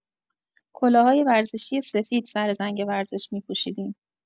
کلاه‌های ورزشی سفید سر زنگ ورزش می‌پوشیدیم.